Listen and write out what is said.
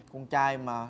con trai mà